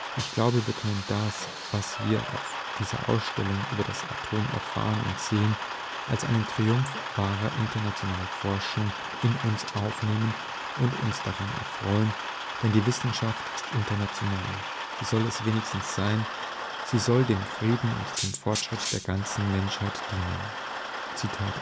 Ich glaube, wir können das, was wir auf dieser Ausstellung über das Atom erfahren und sehen, als einen Triumph wahrer internationaler Forschung in uns aufnehmen und uns daran erfreuen, denn die Wissenschaft ist international, sie soll es wenigstens sein, sie soll dem Frieden und dem Fortschritt der ganzen Menschheit dienen. “Für